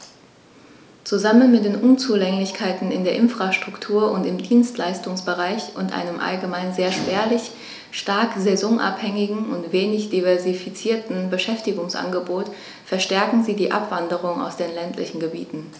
Zusammen mit den Unzulänglichkeiten in der Infrastruktur und im Dienstleistungsbereich und einem allgemein sehr spärlichen, stark saisonabhängigen und wenig diversifizierten Beschäftigungsangebot verstärken sie die Abwanderung aus den ländlichen Gebieten.